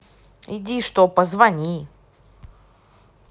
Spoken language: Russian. иди что позвони